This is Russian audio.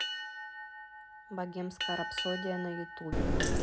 богемская рапсодия на ютубе